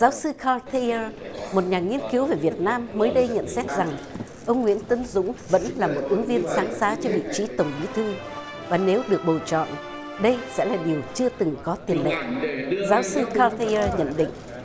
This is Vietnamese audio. giáo sư ca thay ơ một nhà nghiên cứu về việt nam mới đây nhận xét rằng ông nguyễn tấn dũng vẫn là một ứng viên sáng giá cho vị trí tổng bí thư và nếu được bầu chọn đây sẽ là điều chưa từng có tiền lệ giáo sư ca thay ơ nhận định